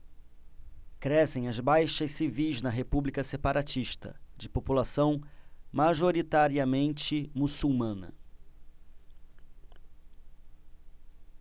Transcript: crescem as baixas civis na república separatista de população majoritariamente muçulmana